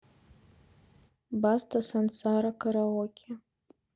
баста сансара караоке